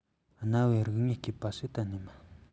གནའ བོའི རིག དངོས རྐུས བ ཞིག གཏན ནས མིན